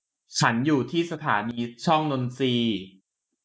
ฉันอยู่ที่สถานีช่องนนทรี